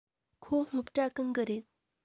ཁོ སློབ གྲྭ གང གི རེད